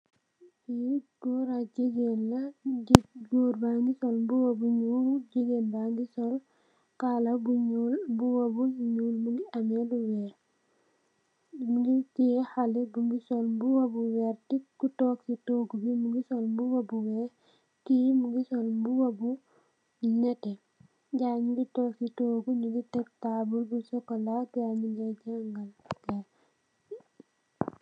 Lee goor ak jegain la goor bage sol muba bu nuul jegain bage sol kala bu nuul muba bu nuul muge ameh lu weex muge teye haleh muge sol muba bu werte ku tonke se toogu be muge sol muba bu weex ke muge sol muba bu neteh gaye nuge tonke se toogu nuge take taabul bu sukola gaye nuge jengal gaye.